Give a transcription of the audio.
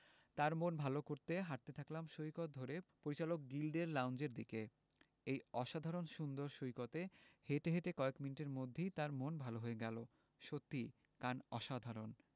তার মন ভালো করতে হাঁটতে থাকলাম সৈকত ধরে পরিচালক গিল্ডের লাউঞ্জের দিকে এই অসাধারণ সুন্দর সৈকতে হেঁটে কয়েক মিনিটের মধ্যেই তার মন ভালো হয়ে গেল সত্যিই কান অসাধারণ